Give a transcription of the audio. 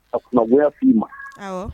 A kumagoya' i ma